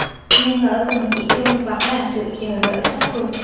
nhưng ở bình diện chung vẫn là sự chờ đợi sốt ruột